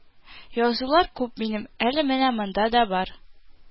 Язулар күп минем, әле менә монда да бар